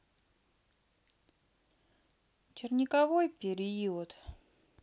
черниковой период